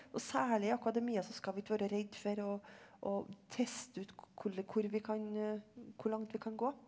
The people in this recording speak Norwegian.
og særlig i akademia så skal vi ikke være redd for å å teste ut hvor vi kan hvor langt vi kan gå.